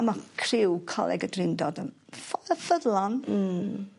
a ma' criw coleg y drindod yn ffo- yy fyddlon. Mm.